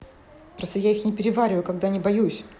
просто я их не перевариваю когда не боюсь